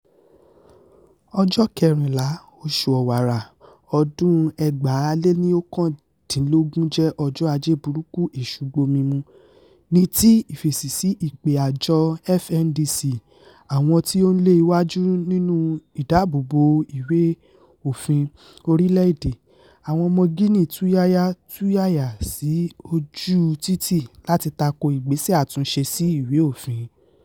Ọjọ́ 14 oṣù Ọ̀wàrà ọdún-un 2019 jẹ́ ọjọ́ Ajé burúkú Èṣù gbomi mu, ní ti ìfèsì sí ìpè àjọ FNDC [Àwọn tí ó ń lé wájú ń'nú Ìdáàbò bo Ìwé-òfin Orílẹ̀-èdè], àwọn ọmọ Guinea tú yáyá tú yàyà sí ojúu títì láti tako ìgbésẹ̀ àtúnṣe sí ìwé-òfin.